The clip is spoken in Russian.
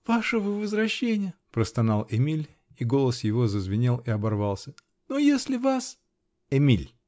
-- Вашего возвращения, -- простонал Эмиль, -- и голос его зазвенел и оборвался, -- но если вас. -- Эмиль!